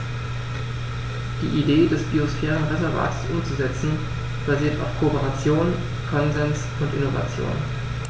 Die Idee des Biosphärenreservates umzusetzen, basiert auf Kooperation, Konsens und Innovation.